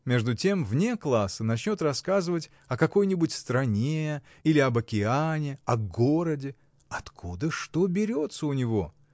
Между тем вне класса начнет рассказывать о какой-нибудь стране или об океане, о городе — откуда что берется у него!